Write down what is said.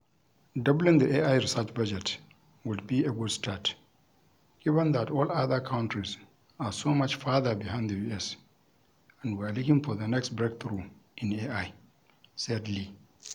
Doubling the AI research budget would be a good start, given that all other countries are so much farther behind the U.S., and we're looking for the next breakthrough in AI looking for the next breakthrough in AI,” said Lee.